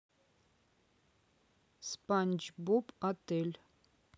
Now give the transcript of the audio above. спанч боб отель